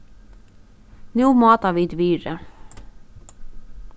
nú máta vit virðið